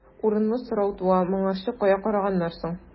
Урынлы сорау туа: моңарчы кая караганнар соң?